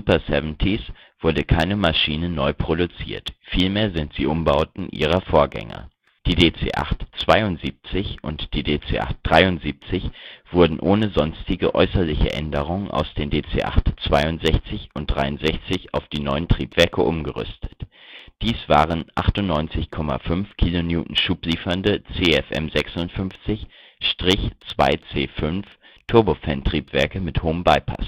Seventies wurde keine Maschine neu produziert, vielmehr sind sie Umbauten ihrer Vorgänger. Douglas DC-8-72 der NASA Die DC-8-72 und die DC-8-73 wurden ohne sonstige äußerliche Änderungen aus den DC-8-62 und DC-8-63 auf die neuen Triebwerke umgerüstet. Dies waren 98,50 kN Schub liefernde CFM56-2C5-Turbofan-Triebwerke mit hohem Bypass-Verhältnis